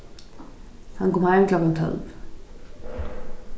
hann kom heim klokkan tólv